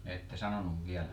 ette sanonut vielä